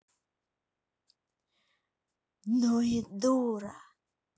ну и дура